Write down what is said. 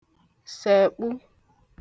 sẹ̀kpụ